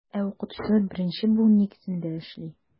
Ә укытучылар беренче буын нигезендә эшли.